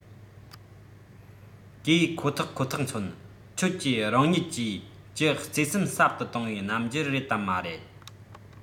གིས ཁོ ཐག ཁོ ཐག མཚོན ཁྱོད ཀྱིས རང ཉིད ཀྱིས ཀྱི བརྩེ སེམས ཟབ ཏུ གཏོང བའི རྣམ འགྱུར རེད དམ མ རེད